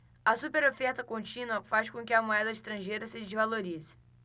a superoferta contínua faz com que a moeda estrangeira se desvalorize